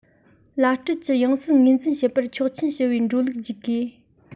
བླ སྤྲུལ གྱི ཡང སྲིད ངོས འཛིན བྱེད པར ཆོག མཆན ཞུ བའི འགྲོ ལུགས བརྒྱུད དགོས